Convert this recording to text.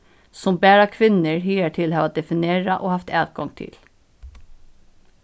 sum bara kvinnur higartil hava definerað og havt atgongd til